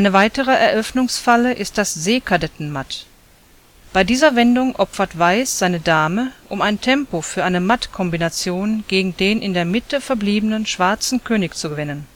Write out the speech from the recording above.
weitere Eröffnungsfalle ist das Seekadettenmatt. Bei dieser Wendung opfert Weiß seine Dame, um ein Tempo für eine Mattkombination gegen den in der Mitte verbliebenen schwarzen König zu gewinnen